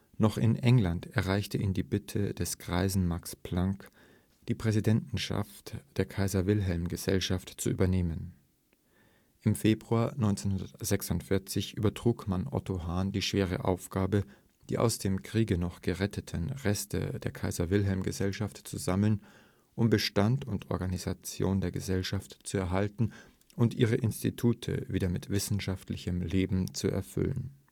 Noch in England erreichte ihn die Bitte des greisen Max Planck, die Präsidentschaft der Kaiser-Wilhelm-Gesellschaft zu übernehmen. Im Februar 1946 übertrug man Otto Hahn die schwere Aufgabe, die aus dem Kriege noch geretteten Reste der Kaiser-Wilhelm-Gesellschaft zu sammeln, um Bestand und Organisation der Gesellschaft zu erhalten und ihre Institute wieder mit wissenschaftlichem Leben zu erfüllen